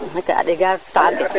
axa kay a ɗenga taxar ke